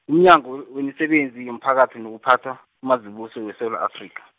umnyango we- wemisebenzi yomphakathi nokuphatha, uMazibuse weSewula Afrika.